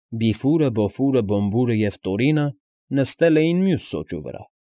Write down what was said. Բիֆուրը, Բոֆուրը, Բոմուրը և Տորինը նստել էին մյուս սոճու վրա։